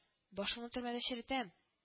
— башыңны төрмәдә черетәм…